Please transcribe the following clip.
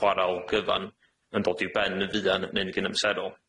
chwaral gyfan yn dod i'w ben yn fuan neu yn gynamserol.